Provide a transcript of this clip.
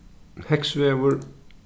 heygsvegur